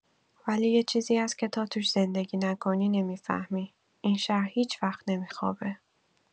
ولی یه چیزی هست که تا توش زندگی نکنی نمی‌فهمی: این شهر هیچ‌وقت نمی‌خوابه.